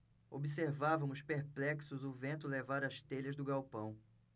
observávamos perplexos o vento levar as telhas do galpão